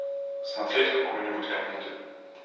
смотреть какую нибудь комедию